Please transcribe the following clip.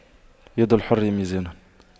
يد الحر ميزان